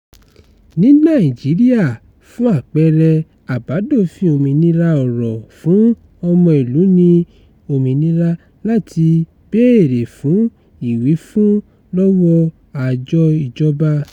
Ní Nàìjíríà, fún àpẹẹrẹ, Àbádòfin Òmìnira Ọ̀rọ̀ fún ọmọ ìlú ní òmìnira láti béèrè fún ìwífun lọ́wọ́ àjọ ìjọba.